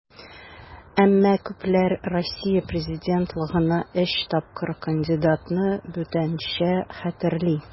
Әмма күпләр Россия президентлыгына өч тапкыр кандидатны бүтәнчә хәтерли.